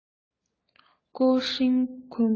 ཀུའོ ཧྲེང ཁུན